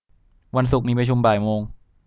วันศุกร์มีประชุมบ่ายโมง